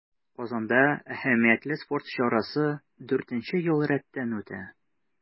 Казанда әһәмиятле спорт чарасы дүртенче ел рәттән үтә.